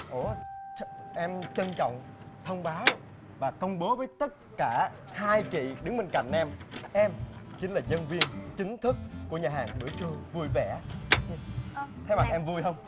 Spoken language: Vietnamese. ủa em trân trọng thông báo và công bố với tất cả hai chị đứng bên cạnh em em chính là nhân viên chính thức của nhà hàng bữa trưa vui vẻ thấy mặt em vui không